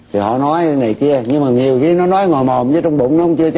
thì họ nói này kia nhưng mà nhiều khi nó nói ngồi mòn như trong bụng ông chưa